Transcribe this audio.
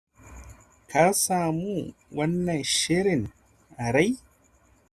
ka samu wannan shirin a rai.”